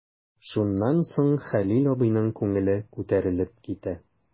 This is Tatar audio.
Шуннан соң Хәлил абыйның күңеле күтәрелеп китә.